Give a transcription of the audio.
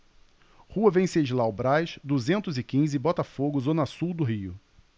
rua venceslau braz duzentos e quinze botafogo zona sul do rio